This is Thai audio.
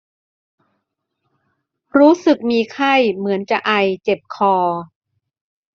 รู้สึกมีไข้เหมือนจะไอเจ็บคอ